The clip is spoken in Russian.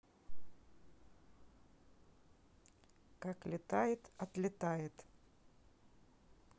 как летает отлетает